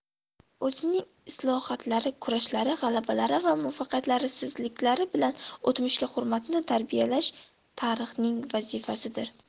o'zining islohotlari kurashlari g'alabalari va muvaffaqiyatsizliklari bilan o'tmishga hurmatni tarbiyalash tarixning vazifasidir